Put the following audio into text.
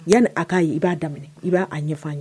Yanni a k'a ye i b'a daminɛ i b'a ɲɛ ye